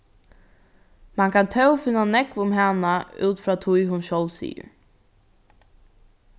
mann kann tó finna nógv um hana út frá tí hon sjálv sigur